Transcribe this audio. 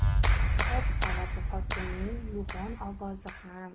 qop qora buxotinning yo'g'on ovozi ham